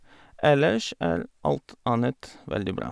Ellers er alt annet veldig bra.